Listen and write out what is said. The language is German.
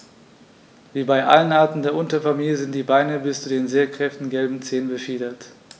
Wie bei allen Arten der Unterfamilie sind die Beine bis zu den sehr kräftigen gelben Zehen befiedert.